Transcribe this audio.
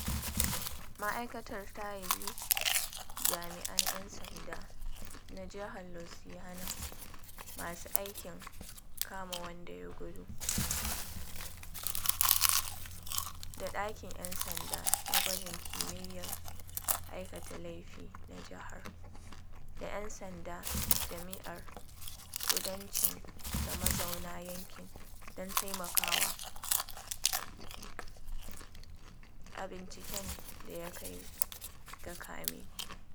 Ma’aikatar ta yabi jami’an ‘yan sanda na Jihar Louisiana masu aikin kama wanda ya gudu, da ɗakin ‘yan sanda na gwajin kimiyyar aikata lafi na jihar, da ‘yan sandan Jami’ar Kudanci da mazauna yanki don taimakawa a binciken da ya kai ga kamen.